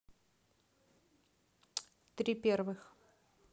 три первых